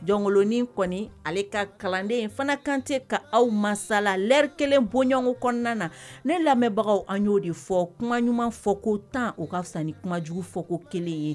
Jɔnkolonin kɔni ale ka kalanden fana kante ka aw masasala ri kelen bɔɲɔgɔngo kɔnɔna na ne lamɛnbagaw an y ye'o de fɔ kuma ɲuman fɔ ko tan o ka fisa ni kuma jugujugu fɔko kelen ye